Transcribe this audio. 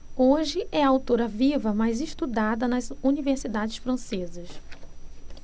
hoje é a autora viva mais estudada nas universidades francesas